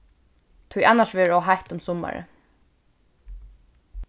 tí annars verður ov heitt um summarið